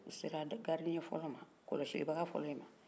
u sera gardien kɔlɔsilibaka folon ma